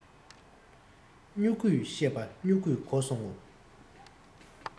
སྨྱུ གུའི བཤད པ སྨྱུ གུས གོ སོང ངོ